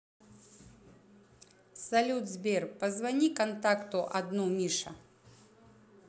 салют сбер позвони контакту одну миша